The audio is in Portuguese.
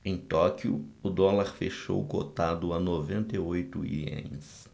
em tóquio o dólar fechou cotado a noventa e oito ienes